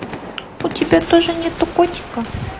у тебя тоже нету котика